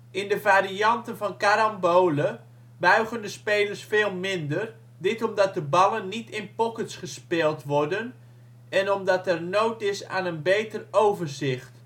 In de varianten van carambole buigen de spelers veel minder, dit omdat de ballen niet in pockets gespeeld worden en omdat er nood is aan een beter ' overzicht